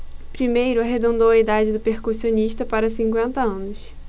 primeiro arredondou a idade do percussionista para cinquenta anos